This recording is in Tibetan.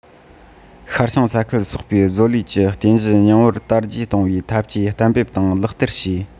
ཤར བྱང ས ཁུལ སོགས པའི བཟོ ལས ཀྱི རྟེན གཞི རྙིང པ དར རྒྱས གཏོང བའི འཐབ ཇུས གཏན འབེབས དང ལག བསྟར བྱས